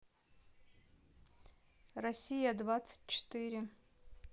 россия двадцать четыре